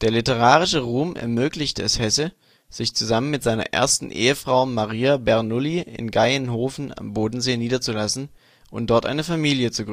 literarische Ruhm ermöglichte es Hesse, sich zusammen mit seiner ersten Ehefrau Maria Bernoulli in Gaienhofen am Bodensee niederzulassen und dort eine Familie zu